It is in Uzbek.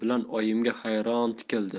bilan oyimga hayron tikildi